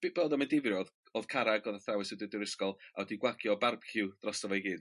odd odd carreg o'dd athrawes i'r ysgol a 'di gwagio barbiciw drosto fo i gyd.